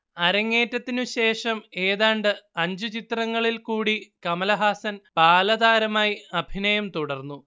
അരങ്ങേറ്റത്തിനു ശേഷം ഏതാണ്ട് അഞ്ചു ചിത്രങ്ങളിൽകൂടി കമലഹാസൻ ബാലതാരമായി അഭിനയം തുടർന്നു